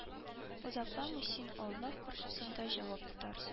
Озакламый син аллаһ каршысында җавап тотарсың